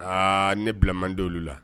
Aa ne bila man di olu la